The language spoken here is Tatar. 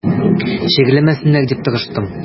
Чирләмәсеннәр дип тырыштым.